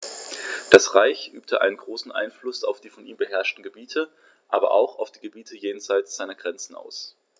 Das Reich übte einen großen Einfluss auf die von ihm beherrschten Gebiete, aber auch auf die Gebiete jenseits seiner Grenzen aus.